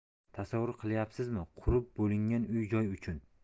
tasavvur qilyapsizmi qurib bo'lingan uy joy uchun